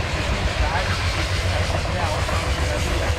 Bezienswaardig is de kathedraal Santa Maria